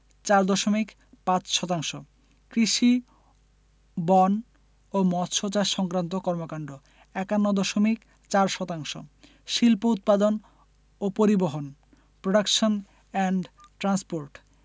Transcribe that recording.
৪ দশমিক ৫ শতাংশ কৃষি বন ও মৎসচাষ সংক্রান্ত কর্মকান্ড ৫১ দশমিক ৪ শতাংশ শিল্প উৎপাদন ও পরিবহণ প্রোডাকশন এন্ড ট্রান্সপোর্ট